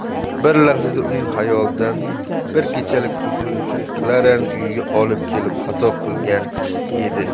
bir lahzada uning xayolidan bir kechalik huzur uchun klarani uyiga olib kelib xato qilgan edi